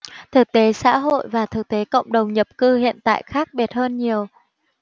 thực tế xã hội và thực tế cộng đồng nhập cư hiện tại khác biệt hơn nhiều